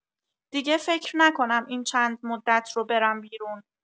دیگه فکر نکنم این چند مدت رو برم بیرون.